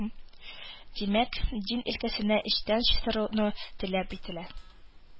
Димәк, дин өлкәсенә эчтән чистарыну таләп ителә